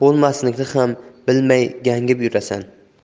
bo'lmaslikni ham bilmay gangib yurasan